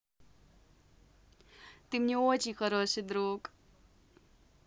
ты мне очень хороший друг